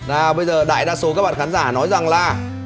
nào bây giờ đại đa số các bạn khán giả nói rằng là